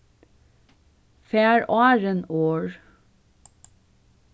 far áðrenn orð